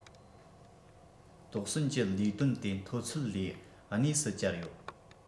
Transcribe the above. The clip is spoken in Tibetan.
དོགས ཟོན གྱི ལས དོན དེ མཐོ ཚད ལས གནས སུ གྱར ཡོད